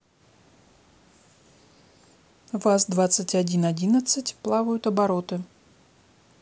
ваз двадцать один одиннадцать плавают обороты